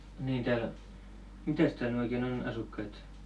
niin täällä mitäs täällä nyt oikein on asukkaita